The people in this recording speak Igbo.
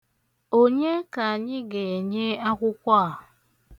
Onye ka anyị ga-enye akwụkwọ a?